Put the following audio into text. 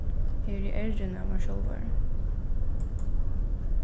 eg eri errin av mær sjálvari